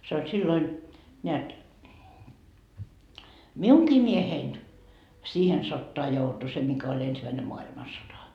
se oli silloin näet minunkin mieheni siihen sotaan joutui se mikä oli ensimmäinen maailmansota